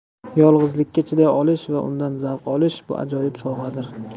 yolg'izlikka chiday olish va undan zavq olish bu ajoyib sovg'adir